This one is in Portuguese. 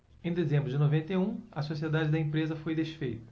em dezembro de noventa e um a sociedade da empresa foi desfeita